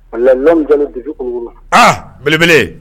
Walahi l'homme Diallo dusu kuŋuru aaa belebele